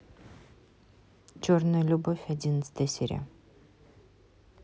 черная любовь одиннадцатая серия